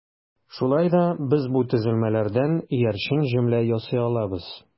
Шулай да без бу төзелмәләрдән иярчен җөмлә ясый алабыз.